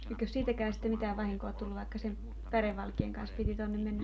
eikös siitäkään sitten mitään vahinkoa tullut vaikka sen pärevalkean kanssa piti tuonne mennä